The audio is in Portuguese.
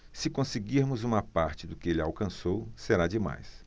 se conseguirmos uma parte do que ele alcançou será demais